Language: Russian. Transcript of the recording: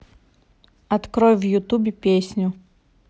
открой в ютубе песню